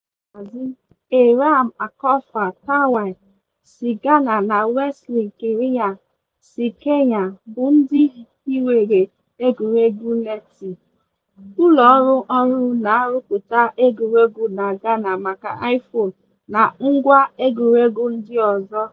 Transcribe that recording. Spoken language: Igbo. Ndị nhazi, Eyram Akorfa Tawiah si Ghana na Wesley Kirinya si Kenya bụ ndị hiwere egwuregwu Leti, ụlọọrụ ọhụrụ na-arụpụta egwuregwu na Ghana maka iPhone na ngwa egwuregwu ndị ọzọ.